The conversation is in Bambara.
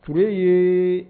Ture ye